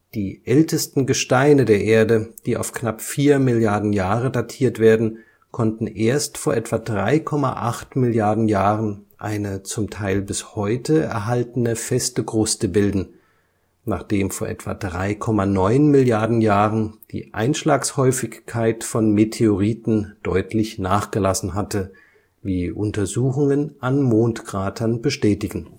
Die ältesten Gesteine der Erde, die auf knapp vier Milliarden Jahre datiert werden, konnten erst vor etwa 3,8 Milliarden Jahren eine zum Teil bis heute erhaltene feste Kruste bilden, nachdem vor etwa 3,9 Milliarden Jahren die Einschlagshäufigkeit von Meteoriten deutlich nachgelassen hatte, wie Untersuchungen an Mondkratern bestätigen